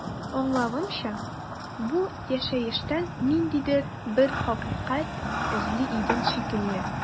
Аңлавымча, бу яшәештән ниндидер бер хакыйкать эзли идең шикелле.